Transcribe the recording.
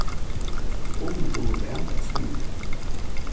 uni dugir væl at svimja s